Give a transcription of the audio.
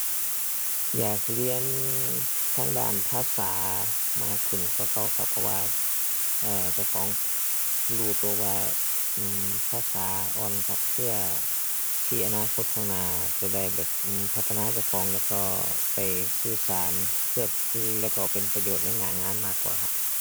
อยากเรียนทางด้านภาษามากขึ้นกว่าเก่าครับ เพราะว่า เอ่อ เจ้าของรู้ตัวว่า อือ ภาษาอ่อนครับ เพื่อที่อนาคตข้างหน้าจะได้แบบ อือ พัฒนาเจ้าของแล้วก็ไปสื่อสารเพื่อ แล้วก็เป็นประโยชน์ในหน้างานมากกว่าครับ